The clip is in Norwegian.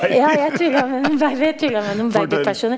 ja jeg tulla med noen babyer, tulla med noen babypersoner.